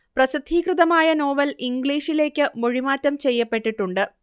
പ്രസിദ്ധീകൃതമായ novel ഇംഗ്ലീഷിലേയ്ക്ക് മൊഴിമാറ്റം ചെയ്യപ്പെട്ടിട്ടുണ്ട്